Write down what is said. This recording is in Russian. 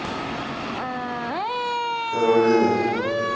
каролина